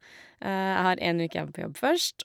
Jeg har én uke igjen på jobb først.